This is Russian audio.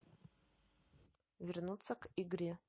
вернуться к игре